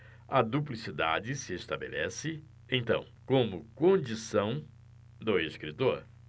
a duplicidade se estabelece então como condição do escritor